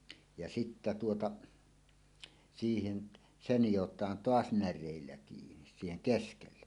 ja sitten tuota siihen se nidotaan taas näreillä kiinni siihen keskelle